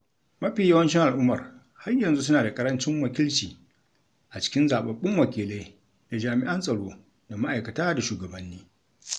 Mafi yawancin al'ummar har yanzu suna da ƙarancin wakilci a cikin zaɓaɓɓun wakilai da jami'an tsaro da ma'aikata da shugabanni.